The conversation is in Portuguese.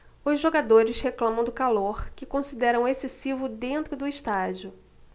os jogadores reclamam do calor que consideram excessivo dentro do estádio